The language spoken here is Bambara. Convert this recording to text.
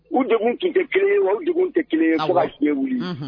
U deg tun tɛ kelen u deg tɛ kelen ye mɔgɔ tiɲɛ wuli